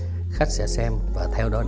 khách sẽ xem và theo đó